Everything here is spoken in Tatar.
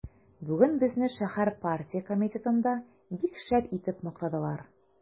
Бүген безне шәһәр партия комитетында бик шәп итеп мактадылар.